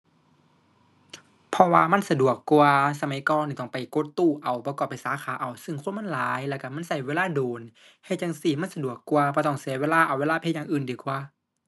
เพราะว่ามันสะดวกกว่า สมัยก่อนนี่ต้องไปกดตู้เอา บ่ก็ไปสาขาเอา ซึ่งคนมันหลายแล้วก็มันก็เวลาโดน เฮ็ดจั่งซี้มันสะดวกกว่า บ่ต้องเสียเวลา เอาเวลาไปเฮ็ดอย่างอื่นดีกว่า